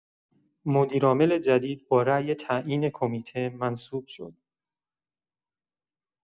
مدیر عامل جدید با رای تعیین کمیته منصوب شد.